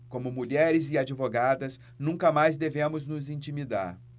como mulheres e advogadas nunca mais devemos nos intimidar